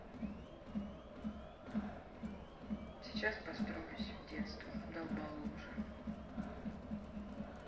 сейчас построюсь детство долбала уже